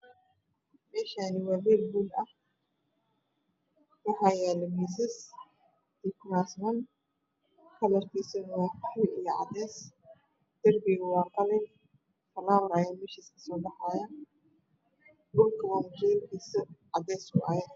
Meshani waa mel hool ah waxa yalo misas io kursman kalarkisan qahwi io cades dirbiga waa qalin falawar aya mesh kasobaxayo dhulka mutuleelka waa cades